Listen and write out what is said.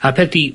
A'r peth 'di